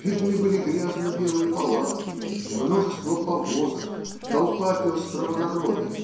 Видны были грязно-белые палатки, множество повозок, толпа пестрого народа